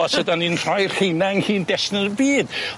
Os ydan ni'n rhoi rheina yng nghyn destun y byd.